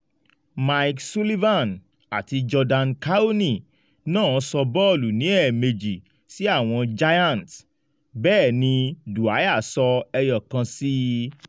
Mike Sullivan àti Jordan Cownie náà sọ bọ́ọ̀lù ní èẹ̀mejì sí àwọ̀n Giants. Bẹ́ẹ̀ ni Dwyer sọ ẹyọ kan si i.